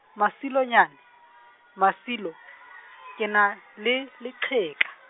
Masilonyane, Masilo, ke na, le leqheka.